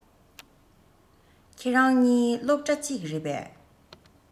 ཁྱེད རང གཉིས སློབ གྲ གཅིག རེད པས